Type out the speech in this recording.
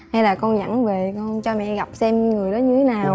hay là con dẫn về con cho mẹ gặp xem người đó như thế nào